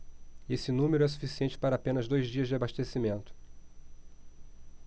esse número é suficiente para apenas dois dias de abastecimento